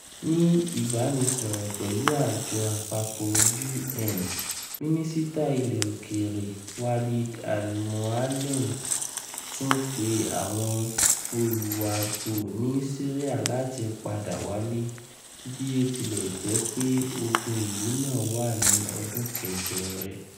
Ni ibanisọrọ pẹlu Ajọ Apapọ UN, Minisita Ilẹ Okeere Walid al-Moualem tun pe awọn oluwabo ni Syria lati pada wale, bi o tilẹ jẹpe ogun ilu naa wa ni ọdun kẹjọ rẹ.